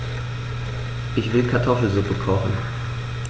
Ich will Kartoffelsuppe kochen.